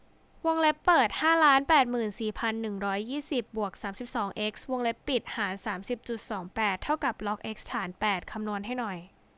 วงเล็บเปิดห้าล้านแปดหมื่นสี่พันหนึ่งร้อยยี่สิบบวกสามสิบสองเอ็กซ์วงเล็บปิดหารสามสิบจุดสองแปดเท่ากับล็อกเอ็กซ์ฐานแปดคำนวณให้หน่อย